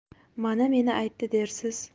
mana meni aytdi dersiz